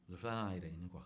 muso filanan y'a yɛrɛ ɲini kuwa